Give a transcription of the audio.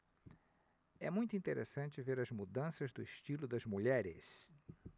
é muito interessante ver as mudanças do estilo das mulheres